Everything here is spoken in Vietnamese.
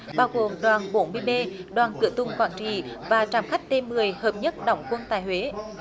bao gồm đoàn bốn mươi bê đoàn cửa tùng quảng trị và trạm khách tê mười hợp nhất đóng quân tại huế